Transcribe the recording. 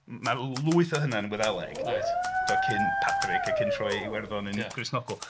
Mae 'na lwyth o hynna'n Wyddeleg 'de... Reit... Cyn Padrig a cyn troi Iwerddon yn Gristnogol.